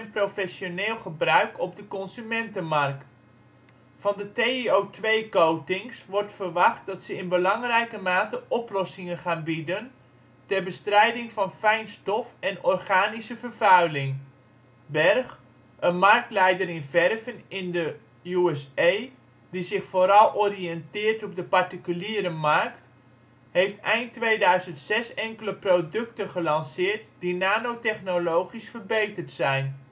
professioneel gebruik op de consumentenmarkt. Van de TiO2-coatings wordt verwacht dat ze in belangrijke mate oplossingen gaan bieden ter bestrijding van fijn stof en organische vervuiling. Berch, een marktleider in verven (USA), die zich vooral oriënteert op de particuliere markt, heeft eind 2006 enkele producten gelanceerd die nanotechnologisch verbeterd zijn